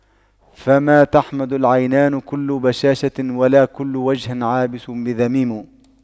فما تحمد العينان كل بشاشة ولا كل وجه عابس بذميم